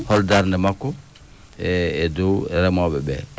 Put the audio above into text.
hol darnde makko e e dow remooɓe ɓee